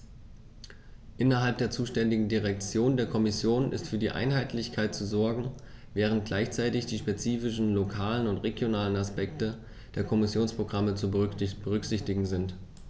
Innerhalb der zuständigen Direktion der Kommission ist für Einheitlichkeit zu sorgen, während gleichzeitig die spezifischen lokalen und regionalen Aspekte der Kommissionsprogramme zu berücksichtigen sind.